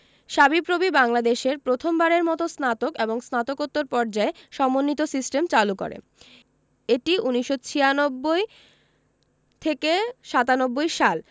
সাবিপ্রবি বাংলাদেশে প্রথম বারের মতো স্নাতক এবং স্নাতকোত্তর পর্যায়ে সমন্বিত সিস্টেম চালু করে এটি ১৯৯৬ থেকে ৯৭ সাল